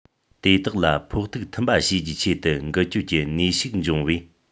དེ དག ལ ཕོག ཐུག མཐུན པ བྱེད རྒྱུའི ཆེད དུ འགུལ སྐྱོད ཀྱི ནུས ཤུགས འབྱུང བས